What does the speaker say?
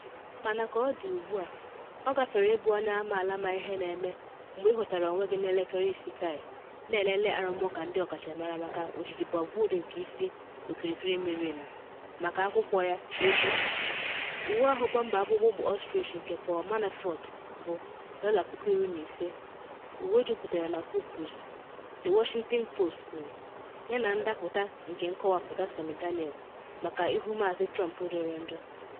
Mana ka ọ dị ugbua, ọ gafere ịbụ onye amaala ma ihe na eme mgbe ị hụtara onwe gị n’elekere isii kaị na-elele arụmụka ndị ọkachamara maka ojiji Bob Woodward nke isi “okirikiri miri emi” maka akwụkwọ ya “Egwu,” uwe ahụ bọmba akpụkpụ ostrich nke Paul Manafort bụ dọla puku iri na ise (“uwe juputara na hubris,” The Washington Post kwuru) yana ndapụta nke nkọwapụta Stormy Daniels maka ihu Maazị Trump jọrọ njọ.